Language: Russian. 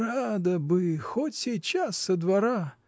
— Рада бы: хоть сейчас со двора!